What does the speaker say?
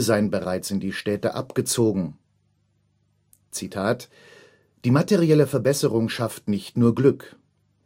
seien bereits in die Städte abgezogen. „ Die materielle Verbesserung schafft nicht nur Glück.